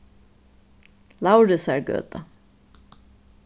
lauritsargøta